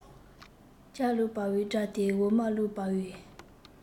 ཇ བླུག པའི སྒྲ དེ འོ མ བླུག པའི